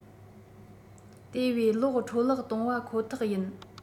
དེ བས གློག འཕྲོ བརླག གཏོང བ ཁོ ཐག ཡིན